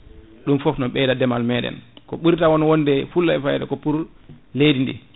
ɗum foof ne ɓeyda deemal meɗen ko ɓurata won wonde fulla e fayida ko pour leydi ndi